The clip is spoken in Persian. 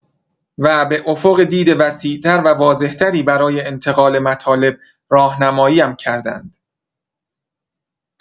و به افق دید وسیع‌تر و واضح‌تری برای انتقال مطالب راهنمایی‌ام کردند.